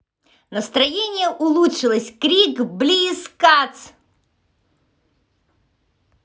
настроение улучшилось крик близ cuts